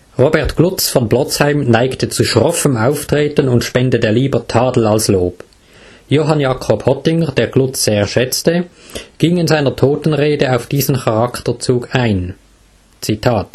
Robert Glutz von Blotzheim neigte zu schroffem Auftreten und spendete lieber Tadel als Lob. Johann Jakob Hottinger, der Glutz sehr schätzte, ging in seiner Totenrede auf diesen Charakterzug ein: Aber